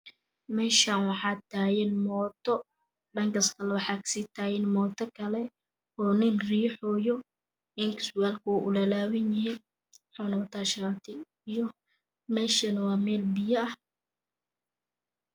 Meeshan waxaa tagaan mooto dhankas kalana waxaa kasii taagan mooto kale oo nin riixooyo ninka surwaalka wuu ulaalabanyahay wuxuuna wataa shaati iyo meeshana waa meel biyo ah